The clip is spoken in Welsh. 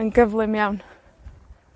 yn gyflym iawn.